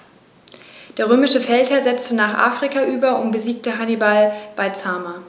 Der römische Feldherr setzte nach Afrika über und besiegte Hannibal bei Zama.